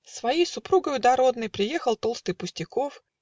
С своей супругою дородной Приехал толстый Пустяков